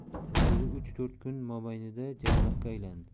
vujudi uch to'rt kun mobaynida janggohga aylandi